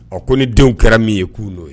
Ɔ ko ni denw kɛra min ye ku no ye.